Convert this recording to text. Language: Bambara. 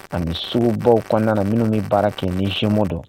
Ani sugubaw kɔnɔna na minnu bɛ baara kɛ ni don